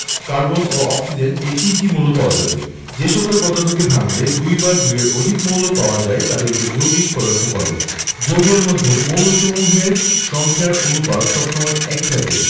carbon ও oxygen এ তিনটি মৌল পাওয়া যাবে যে সকল পদার্থকে ভাঙলে দুই বা দুইয়ের অধিক মৌল পাওয়া যায় তাদেরকে যৌগিক পদার্থ বলে যৌগের মধ্যে মৌলসমূহের সংখ্যার অনুপাত সব সময় একই থাকে